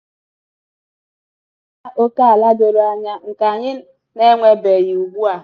Anyị chọrọ nkwekọrịta okeala doro anya nke anyị na-enwebeghị ugbu a.